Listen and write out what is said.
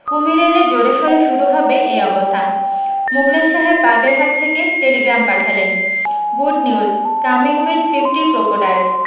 কুমীর এলে জোরে সোরে শুরু হবে এই অবস্থা মুখলেস সাহেব বাগেরহাট থেকে টেলিগ্রাম পাঠালেন good news coming with fifty crocodiles